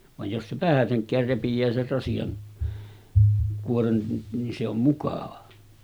vaan jos se vähäsenkään repeää sen rasian kuoren niin se on mukava